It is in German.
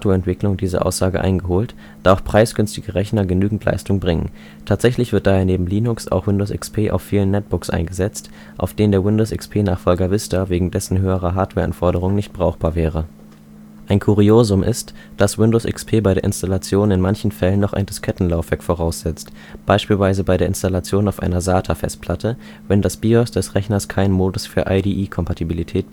Hardware-Entwicklung diese Aussage eingeholt, da auch preisgünstige Rechner genügend Leistung bringen. Tatsächlich wird daher neben Linux auch Windows XP auf vielen Netbooks eingesetzt, auf denen der Windows-XP-Nachfolger Vista wegen dessen höherer Hardware-Anforderung nicht brauchbar wäre. Ein Kuriosum ist, dass Windows XP bei der Installation in manchen Fällen noch ein Diskettenlaufwerk voraussetzt, beispielsweise bei der Installation auf einer SATA-Festplatte, wenn das BIOS des Rechners keinen Modus für IDE-Kompatibilität bietet